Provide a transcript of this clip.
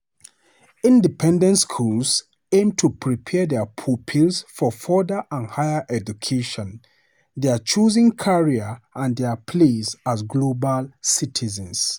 Independent schools aim to prepare their pupils for further and higher education, their chosen career and their place as global citizens.